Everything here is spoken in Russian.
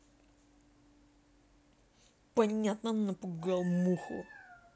понятно напугал муху